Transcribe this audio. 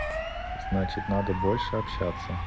значит надо больше общаться